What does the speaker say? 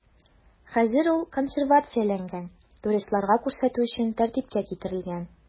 Хәзер ул консервацияләнгән, туристларга күрсәтү өчен тәртипкә китерелгән.